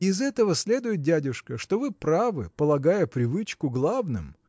– Из этого следует, дядюшка, что вы правы, полагая привычку главным.